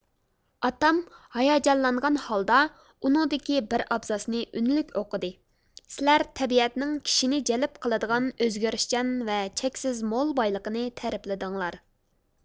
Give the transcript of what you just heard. ئاتام ھاياجانلانغان ھالدا ئۇنىڭدىكى بىر ئابزاسنى ئۈنلۈك ئوقۇدى سىلەر تەبىئەتنىڭ كىشىنى جەلپ قىلىدىغان ئۆزگىرىشچان ۋە چەكسىز مول بايلىقىنى تەرىپلىدىڭلار